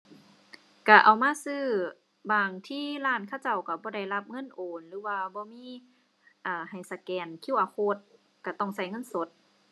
ก็เอามาซื้อ บางทีร้านเขาเจ้าก็บ่ได้รับเงินโอนหรือว่าบ่มี เอ่อ ให้สแกน QR code ก็ต้องก็เงินสด